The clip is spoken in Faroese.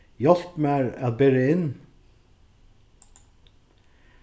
hjálp mær at bera inn